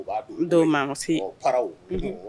Dɔw ma an se faw